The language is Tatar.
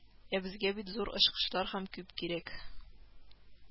Ә безгә бит зур очкычлар һәм күп кирәк